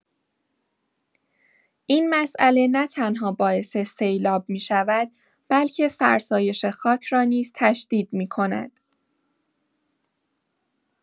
این مسئله نه‌تنها باعث سیلاب می‌شود، بلکه فرسایش خاک را نیز تشدید می‌کند.